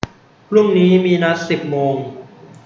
พรุ่งนี้มีนัดสิบโมง